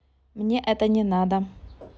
мне это не надо